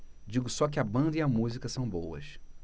digo só que a banda e a música são boas